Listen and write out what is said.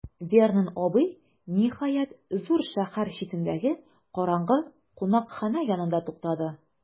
Вернон абый, ниһаять, зур шәһәр читендәге караңгы кунакханә янында туктады.